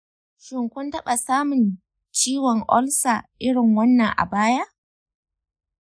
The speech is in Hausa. shin kun taɓa samun ciwon olsa irin wannan a baya?